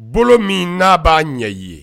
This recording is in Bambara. Bolo min n'a b'a ɲɛ i ye